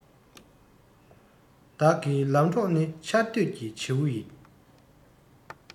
བདག གི ལམ གྲོགས ནི ཆར སྡོད ཀྱི བྱེའུ ཡིན